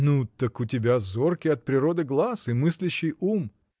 — Ну так у тебя зоркий от природы глаз и мыслящий ум.